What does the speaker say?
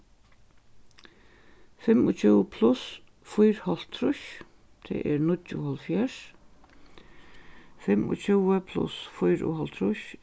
fimmogtjúgu pluss fýraoghálvtrýss tað er níggjuoghálvfjerðs fimmogtjúgu pluss fýraoghálvtrýss